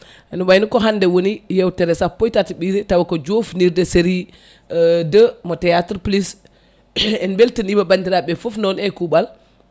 ene wayno ko hande woni yewtere sappo e tato ɓiire taw ko jofnirde série 2mo théâtre plus en beltanima bandiraɓe foof noon e kuuɓal